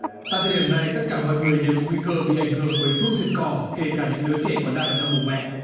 tại thời điểm này tất cả mọi người đều có nguy cơ bị ảnh hưởng bởi thuốc diệt cỏ kể cả những đứa trẻ còn đang ở trong bụng mẹ